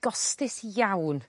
gostus iawn